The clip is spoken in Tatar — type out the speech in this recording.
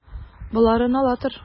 Боларын ала тор.